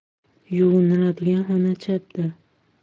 yuviniladigan xona chapda